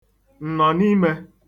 ǹnọ̀nimē